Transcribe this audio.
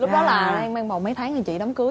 lúc đó là em mang bầu mấy tháng là chị đám cưới